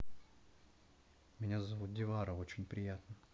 меня зовут дивара очень приятно